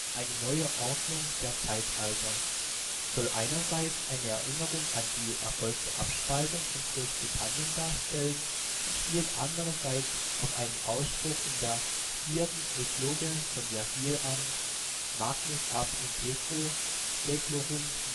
eine neue Ordnung der Zeitalter) soll einerseits eine Erinnerung an die erfolgte Abspaltung von Großbritannien darstellen und spielt andererseits auf einen Ausspruch in der 4. Ekloge von Vergil an: " Magnus ab integro sæclorum nascitur